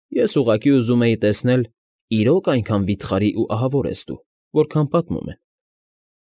Ես ուղղակի ուզում էի տեսնել՝ իրո՞ք այնքան վիթխարի ու ահավոր ես դու, որքան պատմում են։